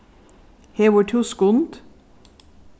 hevur tú skund